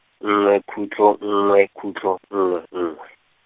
nngwe khutlo nngwe khutlo nngwe nngwe.